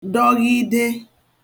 dọghide